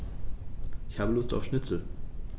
Ich habe Lust auf Schnitzel.